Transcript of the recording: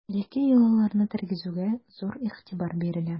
Элекке йолаларны тергезүгә зур игътибар бирелә.